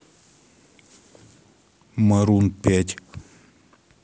марун пять